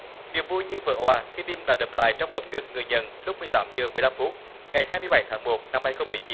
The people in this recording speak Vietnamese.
niềm vui như vỡ òa khi tim đã đập lại trong lồng ngực người nhận lúc mười tám giờ mười lăm phút ngày hai mươi bảy tháng một năm hai không mười chín